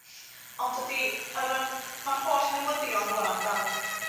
Ond dydi yr yym ma'r holl newyddion rŵan amdan